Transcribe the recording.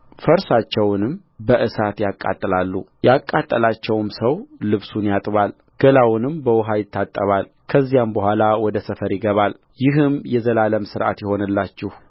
ፈርሳቸውንም በእሳት ያቃጥላሉያቃጠላቸውም ሰው ልብሱን ያጥባል ገላውንም በውኃ ይታጠባል ከዚያም በኋላ ወደ ሰፈር ይገባልይህም የዘላለም ሥርዓት ይሁንላችሁ